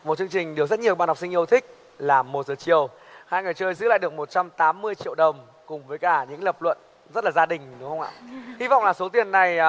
một chương trình được rất nhiều bạn học sinh yêu thích là một giờ chiều hai người chơi giữ lại được một trăm tám mươi triệu đồng cùng với cả những lập luận rất là gia đình đúng không ạ hy vọng là số tiền này